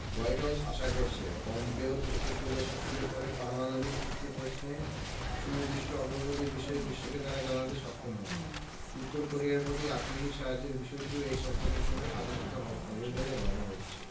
white House আশা করছে পম্পেওর উত্তর কোরিয়া সফরের ফলে পারমাণবিক চুক্তি প্রশ্নে সুনির্দিষ্ট অগ্রগতি বিষয়ে বিশ্বকে তারা জানাতে সক্ষম হবে উত্তর কোরিয়ার প্রতি অর্থনৈতিক সাহায্যের বিষয়টিও এই সফরের সময় আলোচিত হবে বলে ভাবা হচ্ছে